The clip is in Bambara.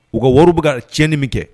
U ka wariw bi ka tiɲɛni min kɛ